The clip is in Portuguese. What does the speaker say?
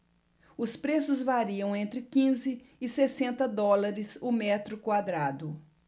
os preços variam entre quinze e sessenta dólares o metro quadrado